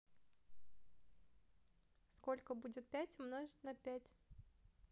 сколько будет пять умножить на пять